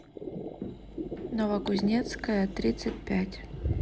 новокузнецкая тридцать пять